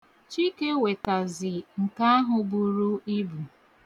Chike wetazi nke ahụ buru ibu.